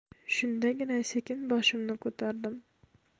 shundagina sekin boshimni ko'tardim